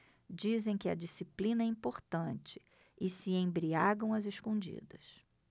dizem que a disciplina é importante e se embriagam às escondidas